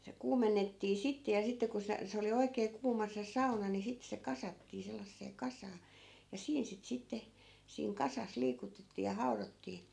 se kuumennettiin sitten ja sitten kun se se oli oikein kuuma se sauna niin sitten se kasattiin sellaiseen kasaan ja siinä sitten sitten siinä kasassa liikutettiin ja haudottiin